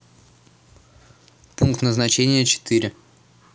пункт назначения четыре